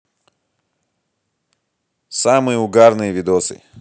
самые угарные видосы